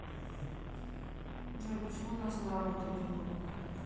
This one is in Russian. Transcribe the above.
джой почему у нас не работает youtube